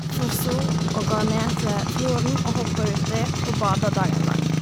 For så å gå ned til fjorden og hoppe uti og bade dagen lang.